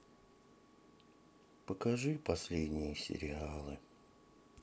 покажи последние сериалы